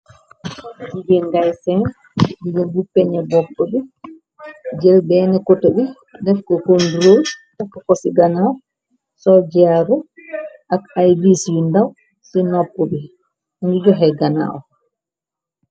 Jigéen day seen digël bu peña bopp bi jël benn kota bi def ko kondrool taka ko ci ganaaw sol jiaaru ak ay bis yu ndaw ci nopp bi ngi joxe ganaaw.